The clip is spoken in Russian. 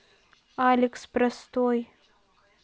алекс простой